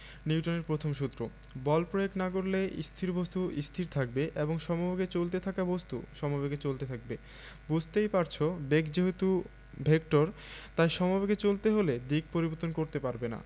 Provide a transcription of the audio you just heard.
নিউটনের প্রথম সূত্র বল প্রয়োগ না করলে স্থির বস্তু স্থির থাকবে এবং সমেবেগে চলতে থাকা বস্তু সমেবেগে চলতে থাকবে বুঝতেই পারছ বেগ যেহেতু ভেক্টর তাই সমবেগে চলতে হলে দিক পরিবর্তন করতে পারবে না